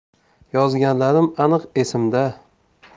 yozganlarim aniq esimda